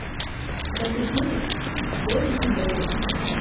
десятую серию долгий путь домой